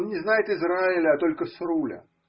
не знает Израиля, а только Сруля